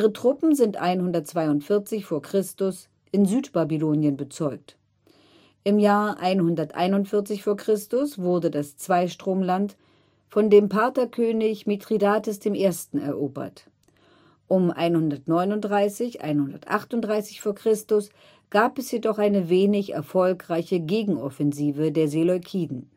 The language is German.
Truppen sind 142 v. Chr. in Südbabylonien bezeugt. Im Jahr 141 v. Chr. wurde das Zweistromland von dem Partherkönig Mithridates I. erobert. Um 139/38 v. Chr. gab es jedoch eine wenig erfolgreiche Gegenoffensive der Seleukiden